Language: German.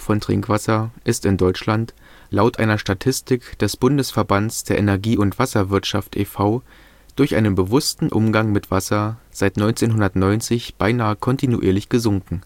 von Trinkwasser ist in Deutschland laut einer Statistik des Bundesverbands der Energie - und Wasserwirtschaft e. V. (BDEW) durch einen bewussten Umgang mit Wasser seit 1990 beinahe kontinuierlich gesunken.